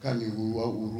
K'aalewa olu